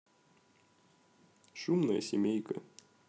шумная семейка